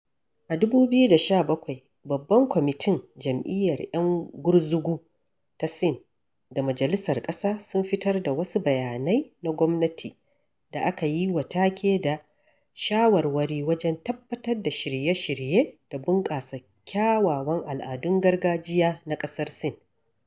A 2017, babban kwamitin Jam'iyyar 'Yan Gurguzu ta Sin da majalisar ƙasa sun fitar da wasu bayanai na gwamnati da aka yi wa take da "shawarwari wajen tabbatar da shirye-shirye da bunƙasa kyawawan al'adun gargajiya na ƙasar Sin".